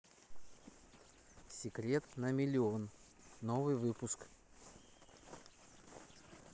секрет на миллион новый выпуск